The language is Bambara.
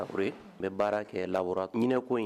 Ur n bɛ baara kɛ labɔra ɲininko in